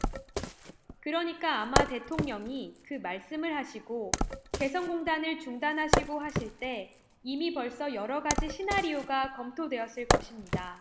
그러니까 아마 대통령이 그 말씀을 하시고 개성공단을 중단하시고 하실 때 이미 벌써 여러 가지 시나리오가 검토되었을 것입니다